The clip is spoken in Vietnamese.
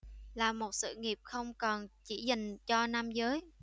là một sự nghiệp không còn chỉ dành cho nam giới